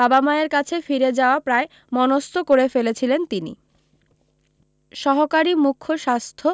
বাবা মায়ের কাছে ফিরে যাওয়া প্রায় মনস্থ করে ফেলেছিলেন তিনি সহকারী মুখ্য স্বাস্থ্য